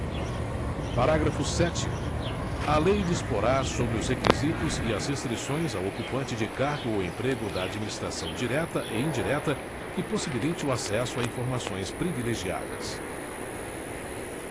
parágrafo sétimo a lei disporá sobre os requisitos e as restrições ao ocupante de cargo ou emprego da administração direta e indireta que possibilite o acesso a informações privilegiadas